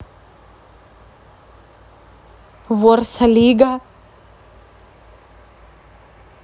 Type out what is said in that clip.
ворса лига